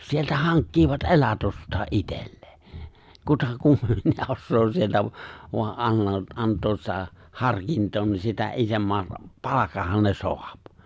sieltä hankkivat elatustaan itselleen kuta kummempia osaa sieltä - vain - antaa sitä harkintaa niin sitä isomman - palkan ne saa